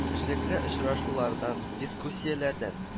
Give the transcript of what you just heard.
Эшлекле очрашулардан, дискуссияләрдән